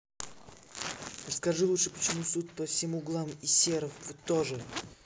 расскажи лучше почему суд по всем углам и серов тоже